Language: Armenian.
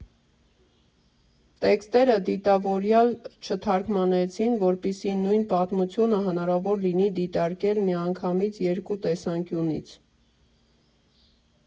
Տեքստերը դիտավորյալ չթարգմանեցին, որպեսզի նույն պատմությունը հնարավոր լինի դիտարկել միանգամից երկու տեսանկյունից։